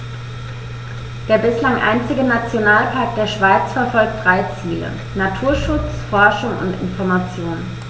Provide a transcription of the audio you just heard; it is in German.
Der bislang einzige Nationalpark der Schweiz verfolgt drei Ziele: Naturschutz, Forschung und Information.